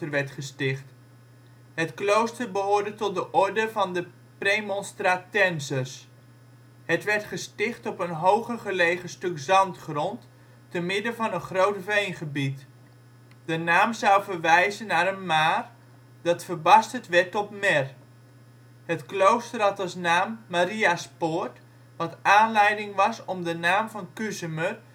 werd gesticht. Het klooster behoorde tot de orde van de Premonstratenzers. Het werd gesticht op een hoger gelegen stuk zandgrond te midden van een groot veengebied. De naam zou verwijzen naar een maar, dat verbasterd werd tot mer. Het klooster had als naam Maria 's poort, wat aanleiding was om de naam van Kuzemer